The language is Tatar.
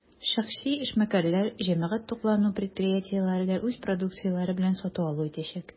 Шәхси эшмәкәрләр, җәмәгать туклануы предприятиеләре дә үз продукцияләре белән сату-алу итәчәк.